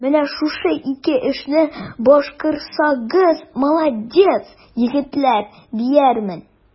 Менә шушы ике эшне башкарсагыз, молодцы, егетләр, диярмен.